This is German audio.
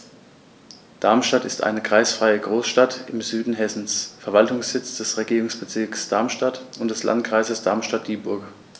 Darmstadt ist eine kreisfreie Großstadt im Süden Hessens, Verwaltungssitz des Regierungsbezirks Darmstadt und des Landkreises Darmstadt-Dieburg.